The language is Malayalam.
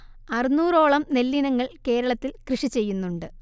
അറുന്നൂറോളം നെല്ലിനങ്ങൾ കേരളത്തിൽ കൃഷിചെയ്യുന്നുണ്ട്